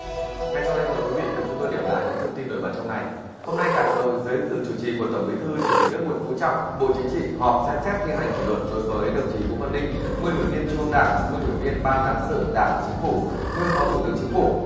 ngay sau đây mời quý vị và chúng tôi điểm lại những thông tin nổi bật trong ngày hôm nay tại hà nội dưới sự chủ trì của tổng bí thư chủ tịch nước nguyễn phú trọng bộ chính trị họp xem xét thi hành kỷ luật đối với đồng chí vũ văn ninh nguyên ủy viên trung ương đảng nguyên ủy viên ban cán sự đảng chính phủ nguyên phó thủ tướng chính phủ